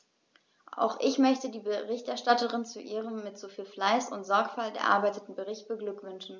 Auch ich möchte die Berichterstatterin zu ihrem mit so viel Fleiß und Sorgfalt erarbeiteten Bericht beglückwünschen.